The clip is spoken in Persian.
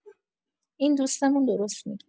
این دوستمون درست می‌گه